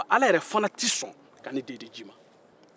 ala yɛrɛ fana tɛ sɔn ka ne den di ji ma